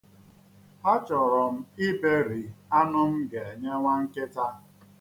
Achọrọ m iberi anụ m ga-enye nwa nkịta.